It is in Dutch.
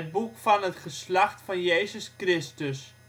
boek van het geslacht van Jezus Christus